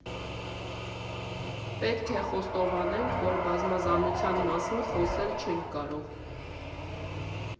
Պետք է խոստովանենք, որ բազմազանության մասին խոսել չենք կարող։